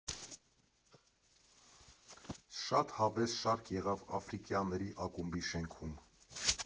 Շատ հավես շարք եղավ Աֆրիկյանների ակումբի շենքում։